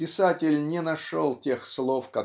писатель не нашел тех слов